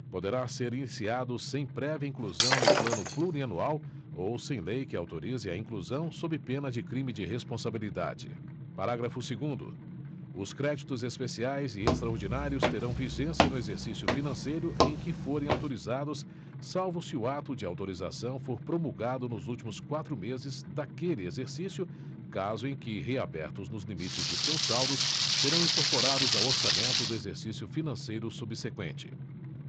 poderá ser iniciado sem prévia inclusão no plano plurianual ou sem lei que autorize a inclusão sob pena de crime de responsabilidade parágrafo segundo os créditos especiais e extraordinários terão vigência no exercício financeiro em que forem autorizados salvo se o ato de autorização for promulgado nos últimos quatro meses daquele exercício caso em que reabertos nos limites de seus saldos serão incorporados ao orçamento do exercício financeiro subseqüente